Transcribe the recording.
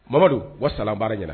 Mamadu wa salamu baara ɲɛna